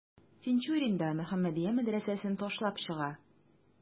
Тинчурин да «Мөхәммәдия» мәдрәсәсен ташлап чыга.